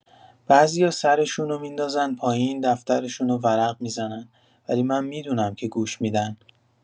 بعضیا سرشونو می‌ندازن پایین، دفترشونو ورق می‌زنن، ولی من می‌دونم که گوش می‌دن.